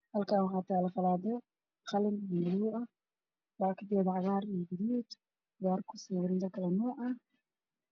Meeshaan waxaa taalo qalaado qalin iyo madow ah, bakaadkateeda waa cagaar iyo gaduud, boorka kusawiran qalaado kale nuuc ah.